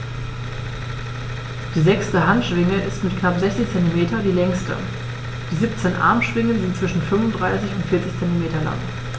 Die sechste Handschwinge ist mit knapp 60 cm die längste. Die 17 Armschwingen sind zwischen 35 und 40 cm lang.